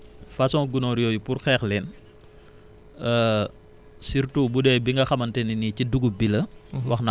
façon gunóor yooyu pour xeex leen surtout budee bi nga xamante ne ni ci dugub bi la